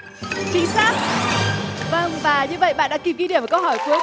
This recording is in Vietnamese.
chính xác vâng và như vậy bạn đã kịp ghi điểm ở câu hỏi cuối